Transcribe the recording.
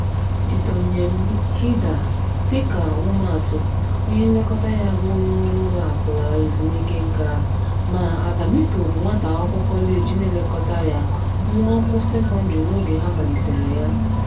Citoyen Hmida, dịka ọmụmaatụ, onye nlekọta ya bụ onye ọrụ ụlọakụ lara ezumike nka; ma Adamito bụ nwata akwụkwọ kọleji na-elekọta ya (nwa akwụkwọ sekọndrị n'oge ha malitere ya).